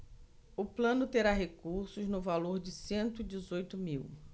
o plano terá recursos no valor de cento e dezoito mil